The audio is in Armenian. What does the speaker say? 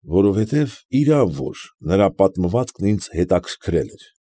Որովհետև իրավ որ նրա պատմվածքն ինձ հետաքրքրել էր։